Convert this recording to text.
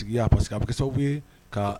Parceseke que a bɛ kɛ sababu ye